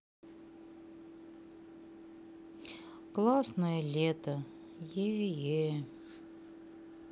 классное лето е е